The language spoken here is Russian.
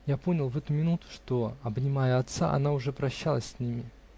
Я понял в эту минуту, что, обнимая отца, она уже прощалась с нами.